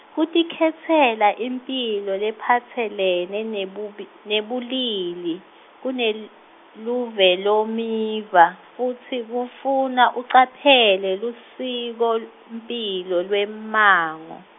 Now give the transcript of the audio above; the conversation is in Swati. kutikhetsela imphilo lephatselene nebubi, nebulili kunel- -luvelomiva futsi kufuna ucaphele lusikomphilo lwemmango.